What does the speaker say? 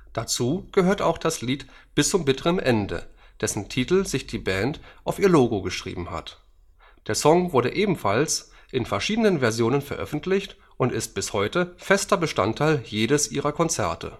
Dazu gehört auch das Lied Bis zum bitteren Ende, dessen Titel sich die Band auf ihr Logo geschrieben hat. Der Song wurde ebenfalls in verschiedenen Versionen veröffentlicht und ist bis heute fester Bestandteil jedes ihrer Konzerte